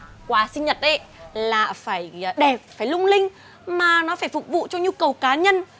quà sinh nhật ấy là phải đẹp phải lung linh mà nó phải phục vụ cho nhu cầu cá nhân